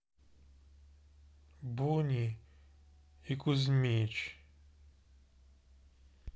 бони и кузьмич